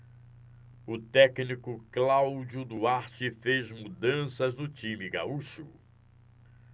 o técnico cláudio duarte fez mudanças no time gaúcho